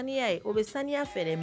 Saniya ye o bɛ saniya fɛɛrɛ ma